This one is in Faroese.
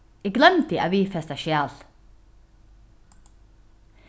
eg gloymdi at viðfesta skjalið